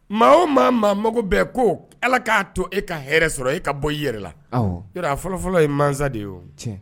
Maa o maa maa mago bɛɛ ko ala k'a to e ka hɛrɛ sɔrɔ e ka bɔ yɛrɛ la a fɔlɔfɔlɔ ye mansa de ye